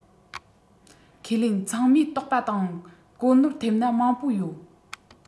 ཁས ལེན ཚང མས དོགས པ དང གོ ནོར ཐེབས ན མང པོ ཡོད